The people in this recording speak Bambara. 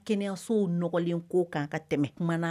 Kɛnɛyasow nɔgɔlen ko k'an ka tɛmɛ kumana